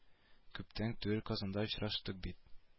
Күптән түгел казанда очраштык бит